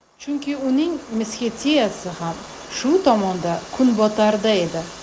chunki uning mesxetiyasi ham shu tomonda kunbotarda edi